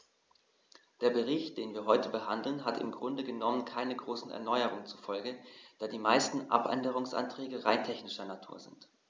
Der Bericht, den wir heute behandeln, hat im Grunde genommen keine großen Erneuerungen zur Folge, da die meisten Abänderungsanträge rein technischer Natur sind.